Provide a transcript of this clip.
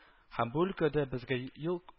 Һәм бу өлкәдә безгә ел